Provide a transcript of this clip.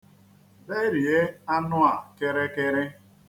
Berie anụ a kịrịkịrị.